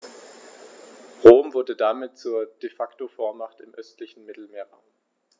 Rom wurde damit zur ‚De-Facto-Vormacht‘ im östlichen Mittelmeerraum.